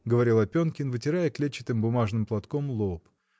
— говорил Опенкин, вытирая клетчатым бумажным платком лоб.